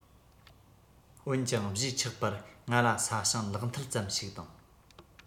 འོན ཀྱང གཞིས ཆགས པར ང ལ ས ཞིང ལག འཐིལ ཙམ ཞིག དང